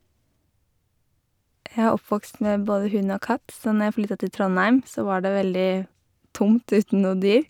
Jeg er oppvokst med både hund og katt, så når jeg flytta til Trondheim så var det veldig tungt uten noe dyr.